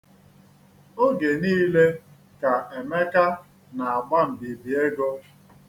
Oge niile ka Emeka na-agba mbibi ego.